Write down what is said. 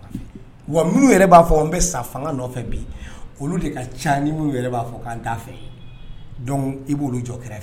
Wa minnu yɛrɛ b'a fɔ n bɛ sa fanga bi olu de ka ca ni minnu yɛrɛ b'a fɔ' fɛ i b'olu jɔ kɛrɛfɛ